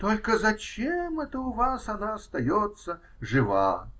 Только зачем это у вас она остается жива?